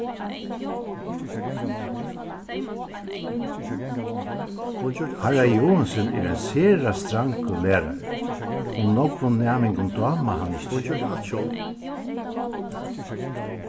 harra joensen er ein sera strangur lærari og nógvum næmingum dámar hann ikki